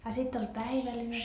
a sitten oli päivällinen